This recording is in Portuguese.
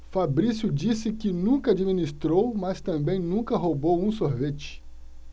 fabrício disse que nunca administrou mas também nunca roubou um sorvete